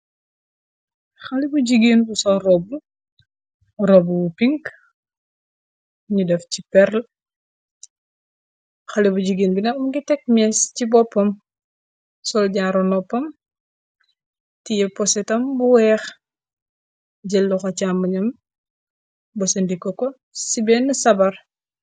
Xale bu jigeen bu sol robu robu bu pink ñu def ci perl xali bu jigeen bina am ngi tekk mées ci boppa soldanro noppam tie posetam bu weex jëll ko càmb nam bu sa ndiko ko ci benn sabar.